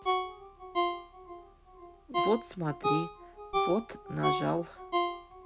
вот смотри вот нажал